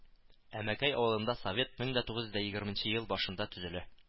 Әмәкәй авылында Совет мең дә тугыз йөз егерменче ел башында төзелә